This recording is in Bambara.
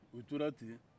o tora ten